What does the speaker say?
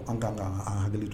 An ka kan ka hakili to